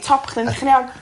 ...top thing chi'n iawn.